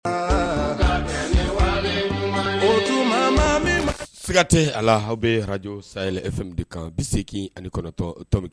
siga te a la aw be Radio Sahel FM de kan 89.